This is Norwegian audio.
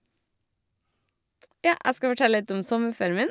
Ja, jeg skal fortelle litt om sommerferien min.